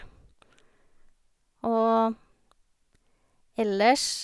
Og ellers...